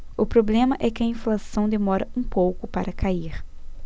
o problema é que a inflação demora um pouco para cair